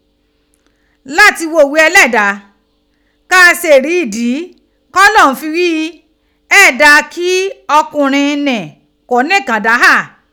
Lati gho ighe eleda ka se ri idi ki Olohun fi ghi ghi 'E daa ki okunrin ni ko nikan gha'